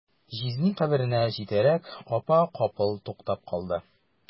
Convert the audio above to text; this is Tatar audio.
Җизни каберенә җитәрәк, апа капыл туктап калды.